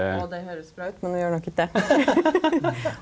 å det høyrest bra ut, men vi gjer nok ikkje det .